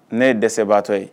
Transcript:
Ne ye dɛsɛbaatɔ ye